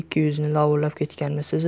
ikki yuzining lovillab ketganini sezib